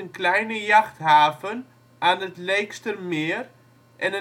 kleine jachthaven aan het Leekstermeer en